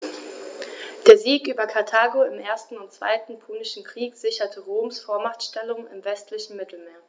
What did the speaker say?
Der Sieg über Karthago im 1. und 2. Punischen Krieg sicherte Roms Vormachtstellung im westlichen Mittelmeer.